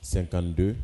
Sankandon